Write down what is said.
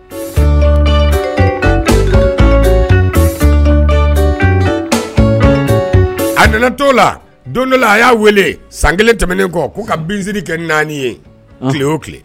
A nana to la don dɔ a y'a weele san kelen tɛmɛnen kɔ k'u ka binsiri kɛ naani ye tile o tile